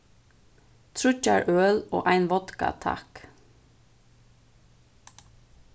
tríggjar øl og ein vodka takk